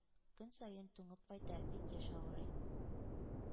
Көн саен туңып кайта, бик еш авырый.